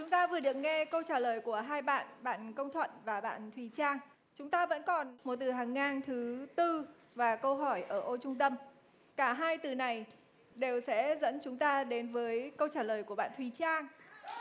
chúng ta vừa được nghe câu trả lời của hai bạn bạn công thuận và bạn thùy trang chúng ta vẫn còn một từ hàng ngang thứ tư và câu hỏi ở ô trung tâm cả hai từ này đều sẽ dẫn chúng ta đến với câu trả lời của bạn thùy trang